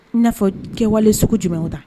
I n'a fɔ d kɛwale sugu jumɛnw tan